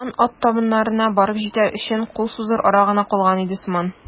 Хан ат табыннарына барып җитәр өчен кул сузыр ара гына калган иде сыман.